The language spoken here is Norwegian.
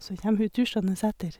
Så kjem hun tuslende etter.